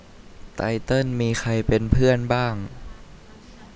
ไตเติ้ลมีใครเป็นเพื่อนบ้าง